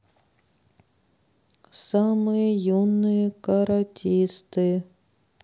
самые юные каратисты